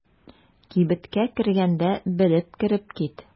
Кибеткә кергәндә белеп кереп кит.